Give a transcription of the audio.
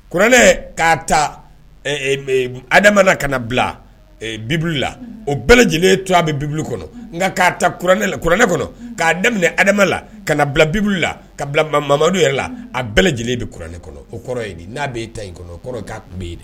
Kuranɛ'a ta adama ka bi la o bɛɛ lajɛlen tu a bɛ bibili kɔnɔ n'a ta kuranɛla kuranɛ kɔnɔ k'a daminɛ adamala ka na bila bibilila ka mamadu yɛrɛ la a bɛɛ lajɛlen bɛ kuranɛ kɔnɔ o kɔrɔ n'a bɛ e ta kɔnɔ kɔrɔ' tun bɛe yen